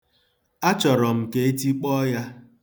Achọrọ m ka e tikpọọ ya.